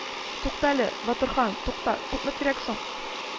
- тукта әле, батырхан, тукта! күпме кирәк соң